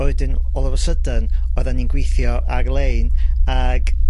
A wedyn all of a sudden oddan ni'n gwithio ar-lein, ag